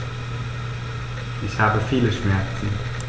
Ich habe viele Schmerzen.